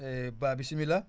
Ba bisimilah